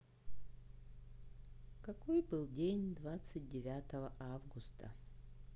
какой был день двадцать девятого августа